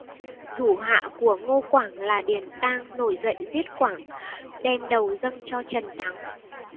thủ hạ của ngô quảng là điền tang nổi dậy giết quảng đem đầu dâng cho trần thắng